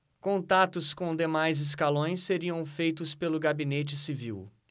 contatos com demais escalões seriam feitos pelo gabinete civil